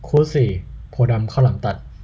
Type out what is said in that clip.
คู่สี่โพธิ์ดำข้าวหลามตัด